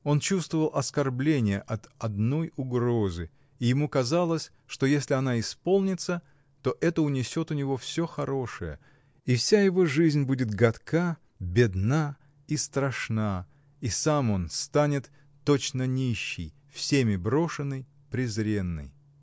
Он чувствовал оскорбление от одной угрозы, и ему казалось, что если она исполнится, то это унесет у него все хорошее, и вся его жизнь будет гадка, бедна и страшна, и сам он станет, точно нищий, всеми брошенный, презренный.